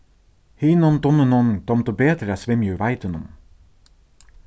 hinum dunnunum dámdi betur at svimja í veitunum